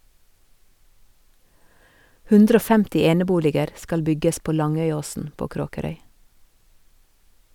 150 eneboliger skal bygges på Langøyåsen på Kråkerøy.